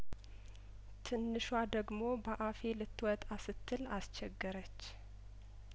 ትንሿ ደግሞ በአፌ ልት ወጣ ስትል አስቸገረች